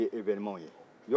ka ye ewenemaw ye